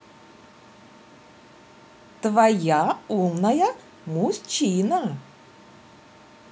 твоя умная мужчина